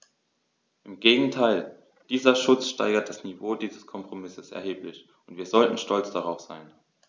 Im Gegenteil: Dieser Schutz steigert das Niveau dieses Kompromisses erheblich, und wir sollten stolz darauf sein.